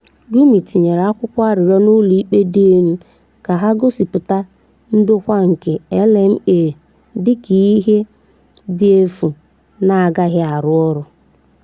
Gyumi tinyere akwụkwọ arịrịọ n'Ụlọikpe Dị Elu ka ha gosipụta ndokwa nke LMA dị ka ihe dị efu na-agaghị arụ ọrụ.